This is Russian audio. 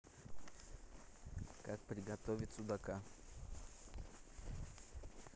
как приготовить судака